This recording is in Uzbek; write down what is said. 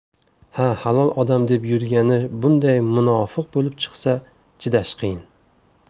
ha halol odam deb yurgani bunday munofiq bo'lib chiqsa chidash qiyin